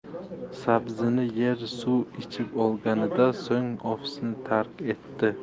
sabzini yeb suv ichib olganidan so'ng ofisni tark etdi